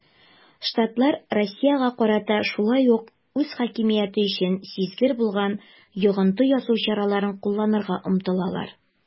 Штатлар Россиягә карата шулай ук үз хакимияте өчен сизгер булган йогынты ясау чараларын кулланырга омтылалар.